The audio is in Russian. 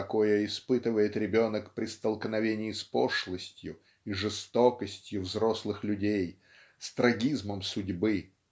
какое испытывает ребенок при столкновении с пошлостью и жестокостью взрослых людей с трагизмом судьбы.